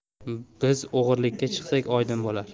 biz o'g'irlikka chiqsak oydin bo'lar